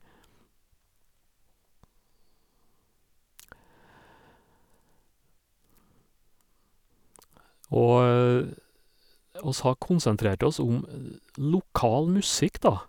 Og oss har konsentrert oss om lokal musikk, da.